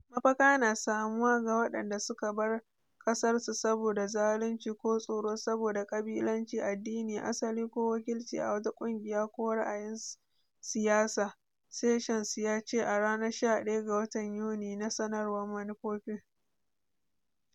"Mafaka na samuwa ga waɗanda suka bar ƙasarsu saboda zalunci ko tsoro saboda kabilanci, addini, asali, ko wakilci a wata ƙungiya ko ra'ayin siyasa," Sessions ya ce a ranar 11 ga watan yuni na sanarwar manufofin.